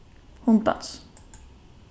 hundans